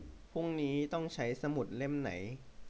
พรุ่งนี้ต้องใช้สมุดเล่มไหน